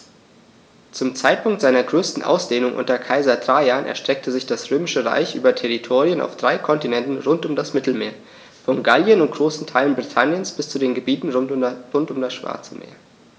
Zum Zeitpunkt seiner größten Ausdehnung unter Kaiser Trajan erstreckte sich das Römische Reich über Territorien auf drei Kontinenten rund um das Mittelmeer: Von Gallien und großen Teilen Britanniens bis zu den Gebieten rund um das Schwarze Meer.